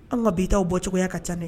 An ka bi taw bɔ cogoya ka ca dɛ!